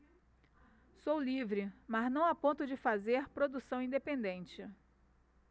sou livre mas não a ponto de fazer produção independente